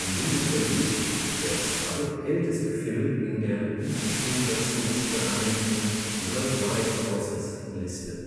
Winde verweht der zweitälteste Film in der nicht inflationsbereinigten „ Worldwide Grosses “- Liste